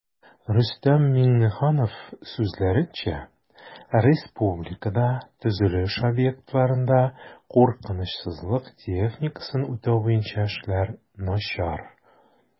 Рөстәм Миңнеханов сүзләренчә, республикада төзелеш объектларында куркынычсызлык техникасын үтәү буенча эшләр начар